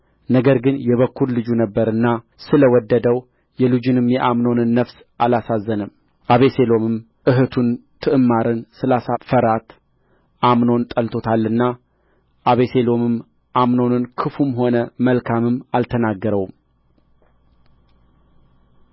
ነገር ግን የበኵር ልጁ ነበረና ስለ ወደደው የልጁን የአምኖን ነፍስ አላሳዘነም አቤሴሎምም እኅቱን ትዕማርን ስላሳፈራት አምኖንን ጠልቶታልና አቤሴሎም አምኖንን ክፉም ሆነ መልካምም አልተናገረውም